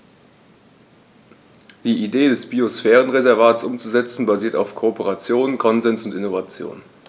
Die Idee des Biosphärenreservates umzusetzen, basiert auf Kooperation, Konsens und Innovation.